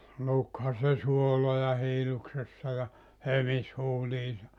lukihan se suoloja hiilloksessa ja hömisi huuliinsa